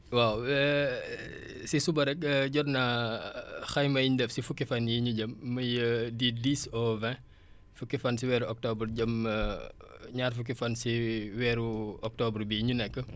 waaw si suba rek jot naa xayma yi ñu def si fukki fan yii ñu jëm muy du dix au vingt fukki fan si weeru octobre jëm ñaar fukki fan si weeru octobre bii ñu nekk